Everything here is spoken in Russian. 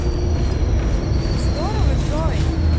здорово джой